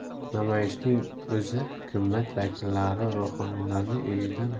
namoyishning o'zi hukumat vakillari ruhoniyni